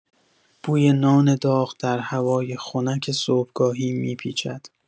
بوی نان داغ در هوای خنک صبحگاهی می‌پیچد.